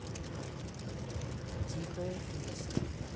тихое место